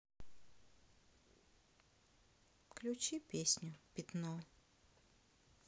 включи песню пятно